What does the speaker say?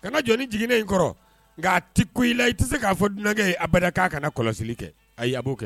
Ka jɔnni jiginnen in kɔrɔ nka a tɛ ko i la i tɛ se k'a fɔ dunan ye a bɛ k'a ka kɔlɔsi kɛ abɔ kɛ